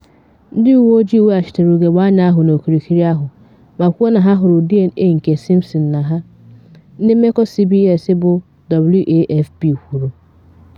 Ndị uwe ojii weghachitere ugogbe anya ahụ n’okirikiri ahụ ma kwuo na ha hụrụ DNA nke Simpson na ha, ndị mmekọ CBS bụ WAFB kwuru.